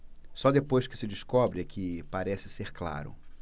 só depois que se descobre é que parece ser claro